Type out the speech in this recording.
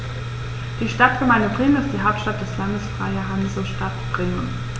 Die Stadtgemeinde Bremen ist die Hauptstadt des Landes Freie Hansestadt Bremen.